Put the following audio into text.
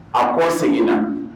A k' seginna